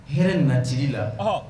Hɛrɛ nana jigi la